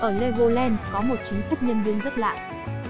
ở legoland có một chính sách nhân viên rất lạ